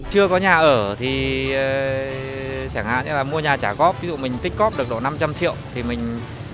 chưa có nhà ở thì ơ chẳng hạn như là mua nhà trả góp ví dụ mình tích cóp được độ năm trăm triệu thì mình